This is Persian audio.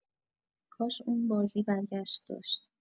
کاش اون بازی برگشت داشت